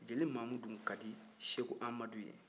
jeli maamu dun ka di seko amadu ye